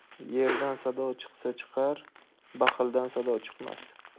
yerdan sado chiqsa chiqar baxildan sado chiqmas